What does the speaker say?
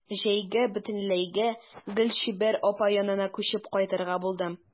Җәйгә бөтенләйгә Гөлчибәр апа янына күчеп кайтырга булдым.